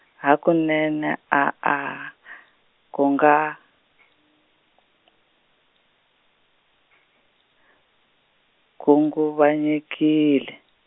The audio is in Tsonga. hakunene a a , kunga- , khunguvanyekile.